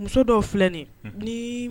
Muso dɔw filɛlen nin ye, unhuny, n'i